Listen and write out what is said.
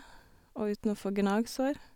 Og uten å få gnagsår.